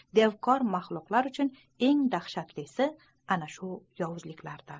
devkor maxluqlar uchun eng mashaqqatlisi ana shu yovuzliklardir